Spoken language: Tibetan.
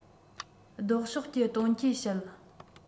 ལྡོག ཕྱོགས ཀྱི དོན རྐྱེན བཤད